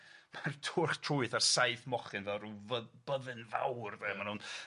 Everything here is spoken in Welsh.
ma'r twrch trwyth a'r saith mochyn fel ryw fyd- byddin fawr de ma' nw'n .